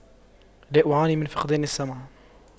لا أعاني من فقدان السمع